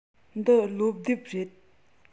འདི སློབ དེབ རེད